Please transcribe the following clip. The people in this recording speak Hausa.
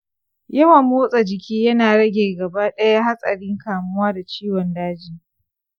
yawan motsa jiki yana rage gaba daya hatsarin kamuwa da ciwon daji.